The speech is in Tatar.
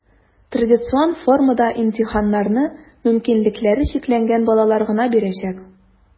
Традицион формада имтиханнарны мөмкинлекләре чикләнгән балалар гына бирәчәк.